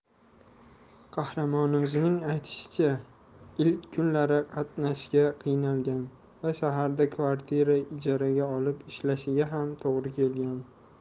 qahramonimizning aytishicha ilk kunlari qatnashga qiynalgan va shaharda kvartira ijaraga olib ishlashiga ham to'g'ri kelgan